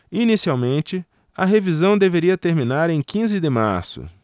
inicialmente a revisão deveria terminar em quinze de março